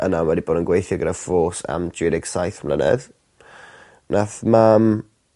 a nawr mae 'di bod yn gweithio gyda force am dri deg saith mlynedd. Nath mam